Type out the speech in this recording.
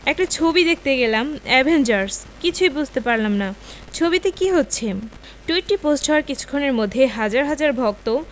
একটা ছবি দেখতে গেলাম অ্যাভেঞ্জার্স কিছু বুঝতেই পারলাম না ছবিতে কী হচ্ছে টুইটটি পোস্ট হওয়ার কিছুক্ষণের মধ্যেই হাজার হাজার ভক্ত